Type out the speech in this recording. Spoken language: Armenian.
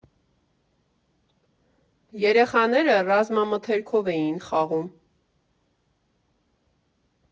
Երեխաները ռազմամթերքով էին խաղում։